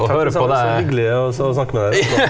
takk det samme, så hyggelig også snakke med dere også.